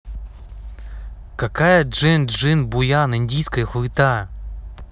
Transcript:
какая jean juan буян индийская хуета